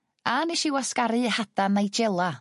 A nesh i wasgaru hada nigela